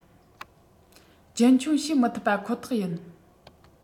རྒྱུན འཁྱོངས བྱེད མི ཐུབ པ ཁོ ཐག ཡིན